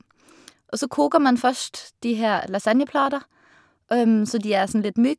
Og så koker man først de her lasagneplater så de er sånn litt myk.